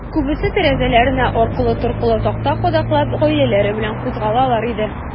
Күбесе, тәрәзәләренә аркылы-торкылы такта кадаклап, гаиләләре белән кузгалалар иде.